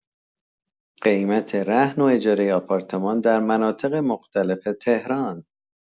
قیمت رهن و اجاره آپارتمان در مناطق مختلف تهران